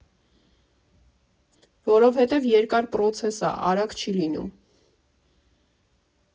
Որովհետև երկար պրոցես ա, արագ չի լինում։